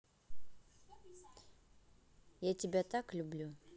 я тебя так люблю